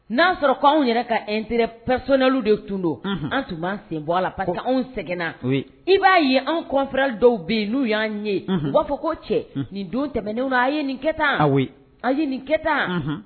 N'a y'a sɔrɔ ko anw yɛrɛ ka intérêts personnels w de tun don. Unhun. Anw tun b'an sen bɔ a la parce que anw sɛngɛnna. Oui I b'a ye anw confrères dɔw bɛ yen n'u y'an ye. Unhun. U b'a fɔ ko cɛ nin don tɛmɛnenw na, aw ye nin kɛ tan. Ah oui A' ye nin kɛ